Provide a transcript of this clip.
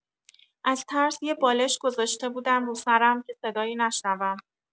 از ترس یه بالش گذاشته بودم رو سرم که صدایی نشنوم.